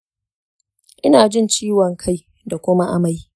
ina jin ciwon kai da kuma amai